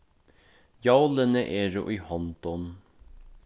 jólini eru í hondum